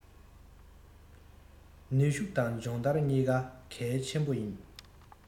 ནུས ཤུག དང སྦྱོང ལྟར གཉིས ཀ གལ ཆེན པོ ཡིན